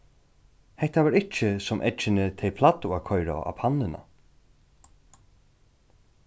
hetta var ikki sum eggini tey plagdu at koyra á pannuna